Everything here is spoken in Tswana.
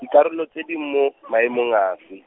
dikarolo tse di mo, maemong afe.